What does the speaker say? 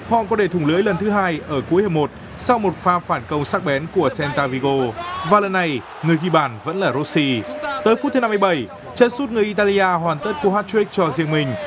họ để thủng lưới lần thứ hai ở cuối hiệp một sau một pha phản công sắc bén của xen ta vi gô và lần này người ghi bàn vẫn là rô xi tới phút thứ năm mươi bảy chân sút người i ta li a hoàn tất cú hát trích cho riêng mình